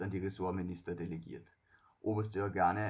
die Ressortminister delegiert. Oberste Organe